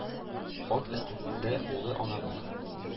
Ат өстендә улы ананың,